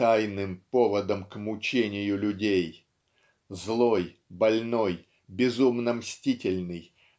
тайным поводом к мучению людей. Злой больной безумно мстительный